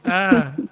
an